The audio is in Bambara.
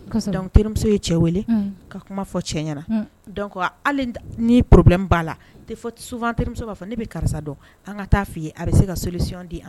Terimuso ye cɛ ka kuma fɔ cɛ ɲɛna hali ni pbilen b'a la so terimuso b'a fɔ ne bɛ karisa dɔn an ka taa f fɔ i ye a bɛ se ka sosi